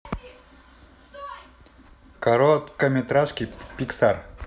короткометражки пиксар